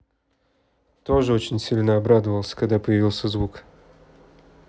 тоже очень сильно обрадовался когда появился звук